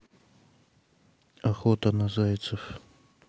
охота на зайцев